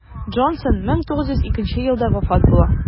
Джонсон 1902 елда вафат була.